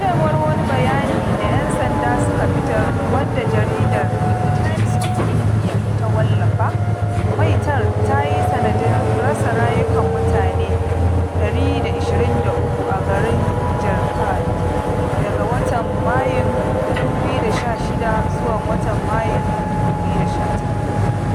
A cewar wani bayani da 'yan sanda suka fitar wanda jaridar The Times of India ta wallafa, maita ta yi sanadin rasa rayukan mutane 123 a garin Jharkhand daga watan Mayun 2016 zuwa watan Mayun 2019.